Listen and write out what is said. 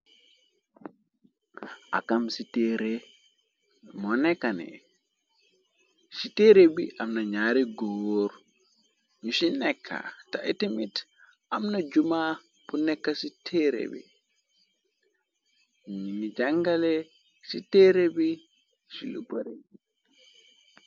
Ak am ci tére moo nekkane ci téeré bi amna ñaare góor ñu ci nekka te it tamit amna juma bu neka ci téere bi mi ngi jangale ci téere bi ci lu bare.